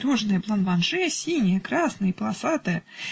пирожное бланманже синее, красное и полосатое.